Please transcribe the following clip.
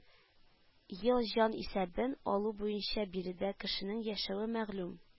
Ел җанисәбен алу буенча биредә кешенең яшәве мәгълүм